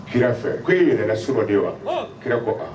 G fɛ ko e yɛrɛ sira de ye wa kira ko